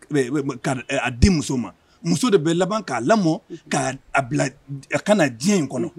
A den muso ma muso de bɛ laban k'a lamɔ k' a ka na diɲɛ in kɔnɔ